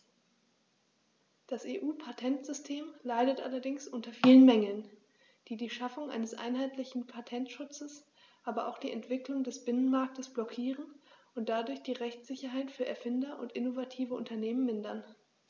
Das EU-Patentsystem leidet allerdings unter vielen Mängeln, die die Schaffung eines einheitlichen Patentschutzes, aber auch die Entwicklung des Binnenmarktes blockieren und dadurch die Rechtssicherheit für Erfinder und innovative Unternehmen mindern.